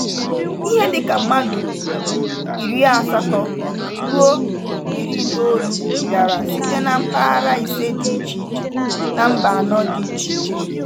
Ihe dịka mmadụ 80 ruo 90 bịara site na mpaghara 5 dị iche iche na mba 4 dị iche iche.